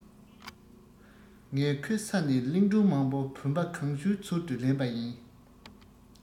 ངས ཁོའི ས ནས གླིང སྒྲུང མང པོ བུམ པ གང བྱོའི ཚུལ དུ ལེན པ ཡིན